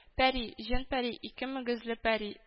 Пәри, җен-пәри, ике мөгезле пәри